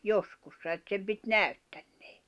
joskus että sen piti näyttäneen